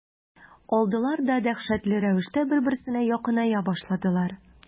Алдылар да дәһшәтле рәвештә бер-берсенә якыная башладылар.